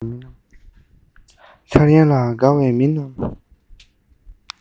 འཆར ཡན ལ དགའ བའི མི རྣམས